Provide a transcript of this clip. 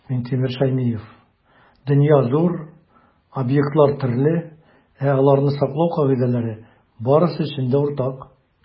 Минтимер Шәймиев: "Дөнья - зур, объектлар - төрле, ә аларны саклау кагыйдәләре - барысы өчен дә уртак".